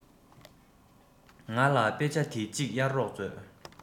ང ལ དཔེ ཆ འདི གཅིག གཡར རོགས མཛོད